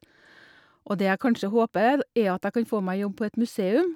Og det jeg kanskje håper er at jeg kan få meg jobb på et museum.